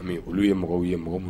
Ami olu ye mɔgɔw ye mɔgɔ mun